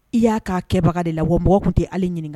I y'a ka kɛbaga de la wa mɔgɔ tun tɛ ale ɲininka